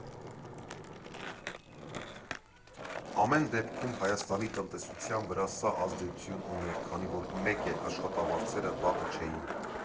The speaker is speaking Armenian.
Ամեն դեպքում, Հայաստանի տնտեսության վրա սա ազդեցություն ուներ, քանի որ մեկ է՝ աշխատավարձերը վատը չէին։